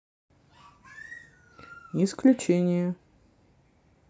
исключения